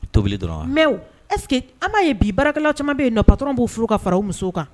O tobili dɔrɔn mɛ ɛsseke que an'a ye bi baarakɛla caman bɛ yen na ba dɔrɔnw b'o furu ka fara musow kan